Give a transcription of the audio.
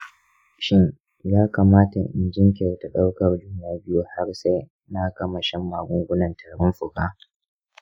shin ya kamata in jinkirta ɗaukar juna biyu har sai na gama shan magungunan tarin fuka?